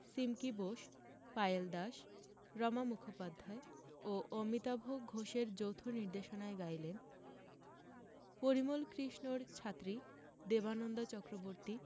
সিমকি বোস পায়েল দাস রমা মুখোপাধ্যায় ও অমিতাভ ঘোষের যৌথ নির্দেশনায় গাইলেন পরিমল কৃষ্ণর ছাত্রী দেবানন্দা চক্রবর্তী